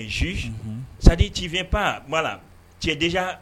un juge , c'à dire tu viens pas, voila, tu est dejà